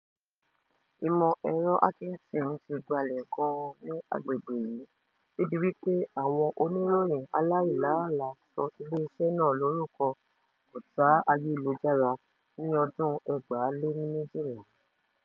Ìmọ̀ ẹ̀rọ Hacking Team ti gbalẹ̀ gan-an ní agbègbè yìí débi wípé àwọn Oníròyìn Aláìláàlà sọ ilé iṣẹ́ náà lórúkọ "Ọ̀tá Ayélujára" ní ọdún 2012.